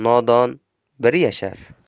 nodon bir yashar